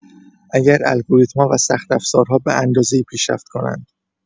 اگر الگوریتم‌ها و سخت‌افزارها به اندازه‌ای پیشرفت کنند.